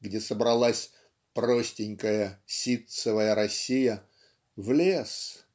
где собралась "простенькая ситцевая Россия" в лес